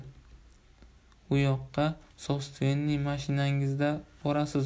u yoqqa sobstvenniy mashinangizda borasiz